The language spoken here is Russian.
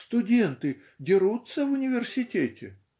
"Студенты дерутся в университете?"